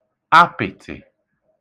apị̀tị̀